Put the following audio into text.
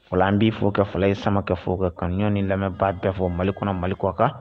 Wa an b'i furakɛ kɛ fila ye sama kɛ furakɛ kɛ kaɲɔgɔn ni lamɛnbaa bɛɛ fɔ mali kɔnɔ mali kɔ a kan